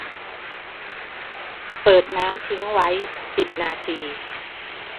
เปิดน้ำทิ้งไว้สิบนาที